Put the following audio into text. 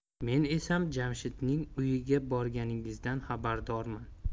men esam jamshidning uyiga borganingizdan xabardorman